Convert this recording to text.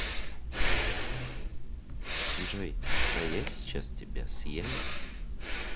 джой а я сейчас тебя съем